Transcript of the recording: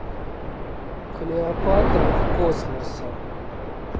клеопатра в космосе